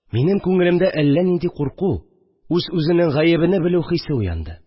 Минем күңелемдә әллә нинди курку, үз-үзенең гаебене белү хисе уянды